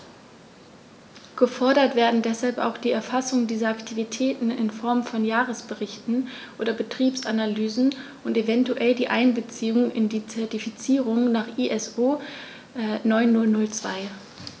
Gefordert werden deshalb auch die Erfassung dieser Aktivitäten in Form von Jahresberichten oder Betriebsanalysen und eventuell die Einbeziehung in die Zertifizierung nach ISO 9002.